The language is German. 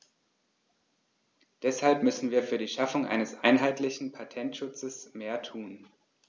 Deshalb müssen wir für die Schaffung eines einheitlichen Patentschutzes mehr tun.